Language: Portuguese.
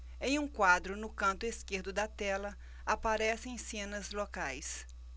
em um quadro no canto esquerdo da tela aparecem cenas locais